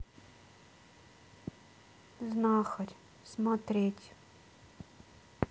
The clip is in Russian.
знахарь смотреть